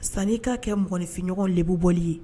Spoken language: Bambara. Sanni i ka kɛ mɔgɔnfinɲɔgɔn bbɔli ye